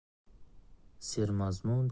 sermazmun keng olamning